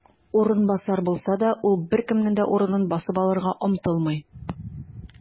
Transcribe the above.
"урынбасар" булса да, ул беркемнең дә урынын басып алырга омтылмый.